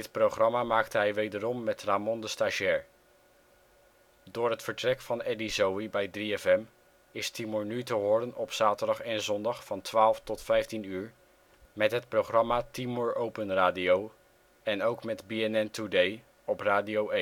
programma maakte hij wederom met Rámon de Stagiair. Door het vertrek van Eddy Zoëy bij 3FM is Timur nu te horen op zaterdag en zondag van 12.00 tot 15.00 uur met het programma Timur Open Radio, en ook met BNN Today op Radio